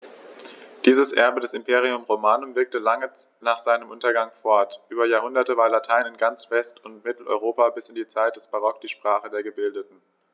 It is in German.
Dieses Erbe des Imperium Romanum wirkte lange nach seinem Untergang fort: Über Jahrhunderte war Latein in ganz West- und Mitteleuropa bis in die Zeit des Barock die Sprache der Gebildeten.